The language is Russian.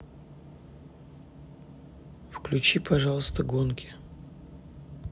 включи пожалуйста гонки